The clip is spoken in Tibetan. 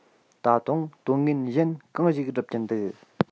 ད དུང དོན ངན གཞན གང ཞིག སྒྲུབ ཀྱིན འདུག